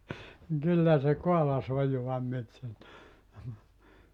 niin kyllä se kaalasi ojaa myöten sieltä